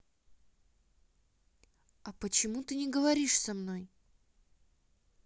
а почему ты не говоришь со мной